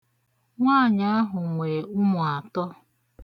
Nwaanyị ahụ nwe ụmụ atọ.